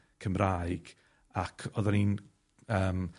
Cymraeg ac oddan ni'n yym